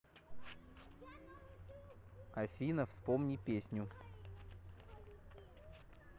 афина вспомни песню